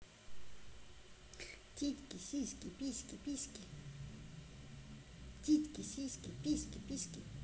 титьки сиськи письки письки